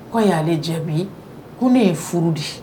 Kaw ya ale jaabi ko ne ye furu di.